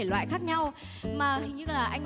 loại khác nhau mà hình như là anh